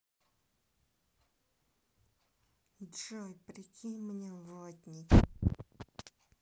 джой прикинь мне ватники